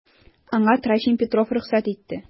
Аңа Трофим Петров рөхсәт итте.